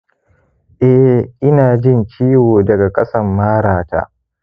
eh, ina jin ciwo daga kasan ma'ra ta.